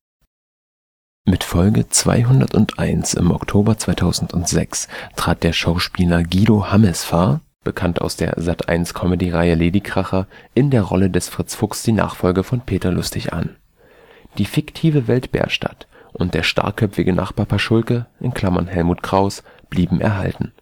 Mit Folge 201 im Oktober 2006 trat der Schauspieler Guido Hammesfahr, bekannt aus der Sat.1-Comedy-Reihe Ladykracher, in der Rolle des Fritz Fuchs die Nachfolge von Peter Lustig an. Die fiktive Welt Bärstadt und der starrköpfige Nachbar Paschulke (Helmut Krauss) blieben erhalten